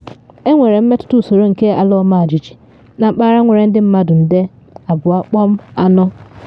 Enwere mmetụta usoro nke ala ọmajiji na mpaghara nwere ndị mmadụ nde 2.4.